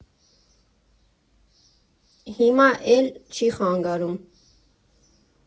Հիմա էլ չի խանգարում։